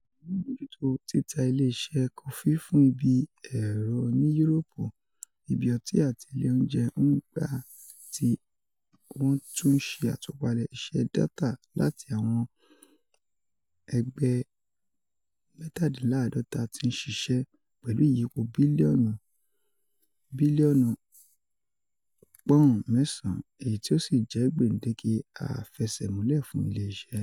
Awọn alabojuto tita ile iṣẹ kọfi fun ibi ero ni Uropu, ibi ọti ati ile ounjẹ n gba ti wọn tun n ṣe atupalẹ iṣe data lati awọn egbẹ 47 ti n ṣiṣẹ, pẹlu iyipo biliọnu £9, eyi ti o si jẹ gbendeke afisẹmulẹ fun ile-iṣẹ.